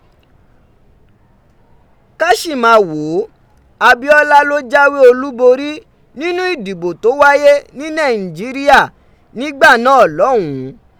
Káṣìmawòó Abíọ́lá ló jáwé olúborí nínú ìdìbò tó wáyé ní Nàìjíríà nígbà náà lọ́hùn ún.